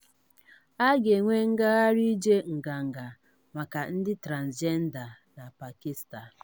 A ga-enwe ngagharị ije Nganga maka Ndị Transịjenda na Pakistan